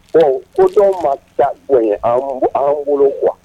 Bon ko dɔ ma da bonya an an bolo kuwa